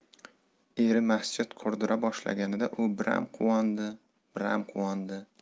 eri masjid qurdira boshlaganida u biram quvondi biram quvondi